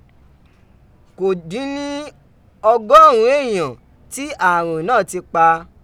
Ko din ni ọgọrun eeyan tí ààrùn náà ti pa.